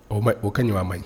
O o kɛ ɲɔgɔn ma ye